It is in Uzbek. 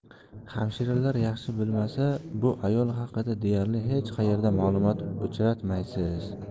hamshiralar yaxshi bilmasa bu ayol haqida deyarli hech qayerda ma'lumot uchratmaysiz